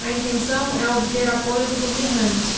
a intenção é obter apoio do governante